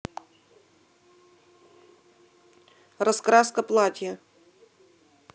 раскраска платье